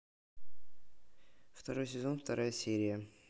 второй сезон вторая серия